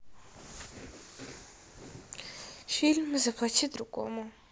фильм заплати другому